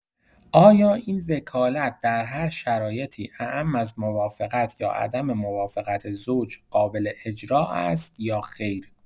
آیا این وکالت در هر شرایطی، اعم از موافقت یا عدم موافقت زوج، قابل‌اجرا است یا خیر.